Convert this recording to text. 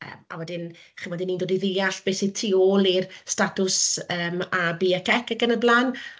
a wedyn, chimod, y'n ni'n dod i ddeall beth sydd tu ôl i'r statws yym AB ac C ac yn y blaen.